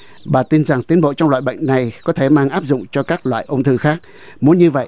bà tin rằng tiến bộ trong loại bệnh này có thể mang áp dụng cho các loại ung thư khác muốn như vậy